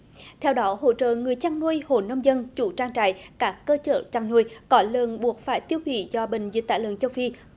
theo đó hỗ trợ người chăn nuôi hộ nông dân chủ trang trại các cơ sở chăn nuôi có lợn buộc phải tiêu hủy do bệnh dịch tả lợn châu phi